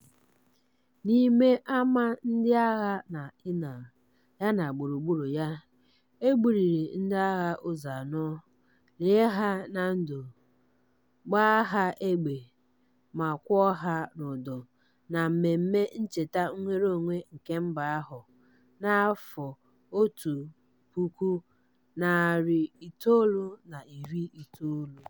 N'ime ámá ndị agha na Inal yana gburugburu ya, e gbubiri ndị agha ụzọ anọ, lie ha na ndụ, gbaa ha egbe, ma kwụọ ha n'ụdọ na mmemme ncheta nnwereonwe nke mba ahụ na 1990.